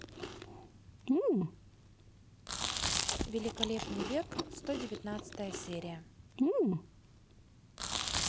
великолепный век сто девятнадцатая серия